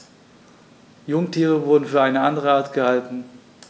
Jungtiere wurden für eine andere Art gehalten.